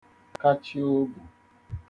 kachìe obù